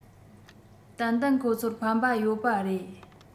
ཏན ཏན ཁོང ཚོར ཕན པ ཡོད པ རེད